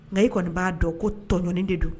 Nka e kɔni b'a dɔn ko tɔonɔni de do